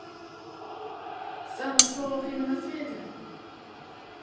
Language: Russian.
самое слово время на свете